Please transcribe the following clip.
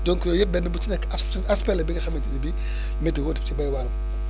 donc yooyu yëpp benn bu ci nekk as aspect la bi nga xamante ne bii météo daf ci béy waaram